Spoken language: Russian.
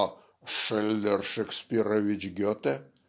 а "Шиллер Шекспирович Гете"